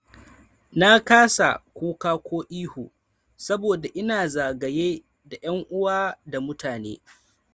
Na kasa kuka ko ihu saboda ina zagaye da yan’uwa da mutane.